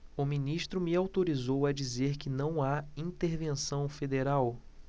o ministro me autorizou a dizer que não há intervenção federal